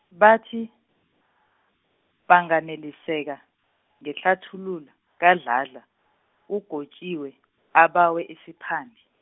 bathi, banganeliseka, ngehlathululo, kaDladla, uGotjiwe abawe isiphande.